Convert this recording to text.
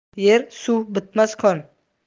yer suv bitmas kon